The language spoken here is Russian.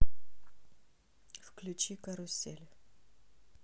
включи карусель